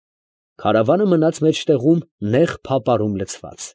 Քարավանը մնաց մեջտեղում նեղ փապարում լցված։